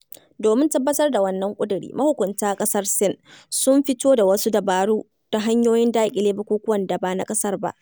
Domin tabbatar da wannan ƙuduri, mahukunta ƙasar Sin sun fito da wasu dabaru da hanyoyin daƙile bukukuwan da ba na ƙasar ba.